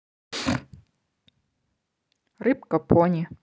рыбка пони